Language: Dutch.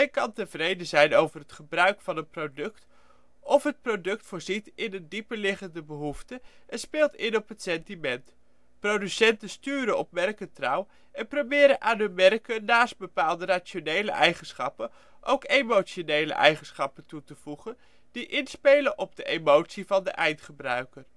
kan tevreden zijn over het gebruik (de functionaliteit) van een product, of het product voorziet in een dieperliggende behoefte en speelt in op het sentiment. Producenten ' sturen ' op merkentrouw en proberen aan hun merken naast bepaalde rationele eigenschappen, ook emotionele eigenschappen toe te voegen, die inspelen op de emotie van de eindgebruiker